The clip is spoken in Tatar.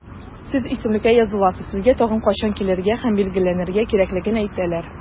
Сез исемлеккә языласыз, сезгә тагын кайчан килергә һәм билгеләнергә кирәклеген әйтәләр.